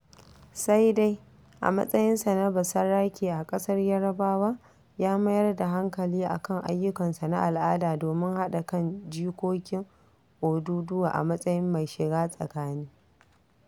Sai dai, a matsayinsa na basarake a ƙasar Yarbawa, ya mayar da hankali a kan ayyukansa na al'ada domin haɗa kan jikokin Odùduwa a matsayin mai shiga tsakani.